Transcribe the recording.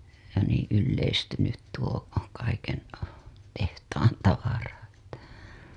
ja niin yleistynyt tuo kaiken tehtaan tavara että